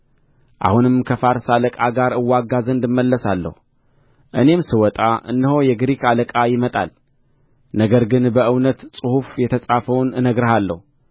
አሁንም ከፋርስ አለቃ ጋር እዋጋ ዘንድ እመለሳለሁ እኔም ስወጣ እነሆ የግሪክ አለቃ ይመጣል ነገር ግን በእውነት ጽሑፍ የተጻፈውን እነግርሃለሁ